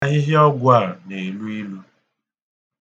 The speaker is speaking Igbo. Ahịhịa ọgwụ a na-elu nnukwu ilu.